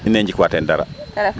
i nee njikwa teen dara .